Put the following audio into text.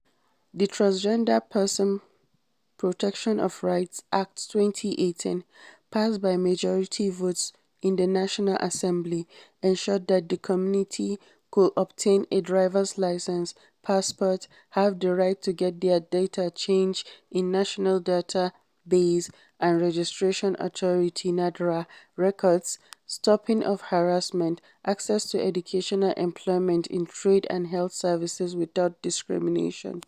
The Transgender Person (Protection of Rights) Act 2018 passed by majority votes in the National Assembly ensured that the community could obtain a driver's license, passport, have the right to get their gender changed in National Database and Registration Authority (NADRA) records, stopping of harassment, access to educational, employment in trade and health services without discrimination.